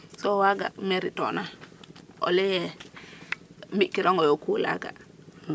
so waga meri tona o leye mi kirango yo o coup la ga